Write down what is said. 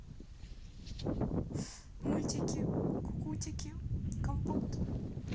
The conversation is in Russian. мультики кукутики компот